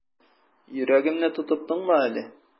Йөрәгемне тотып тыңла әле.